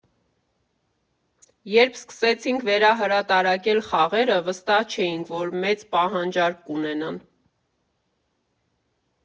«Երբ սկսեցինք վերահրատարակել խաղերը, վստահ չէինք, որ մեծ պահանջարկ կունենան։